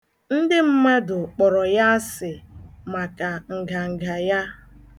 Ndị mmadụ kpọrọ ya asị maka nganga ya.